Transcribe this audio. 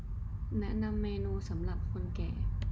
แนะนำเมนูสำหรับคนแก่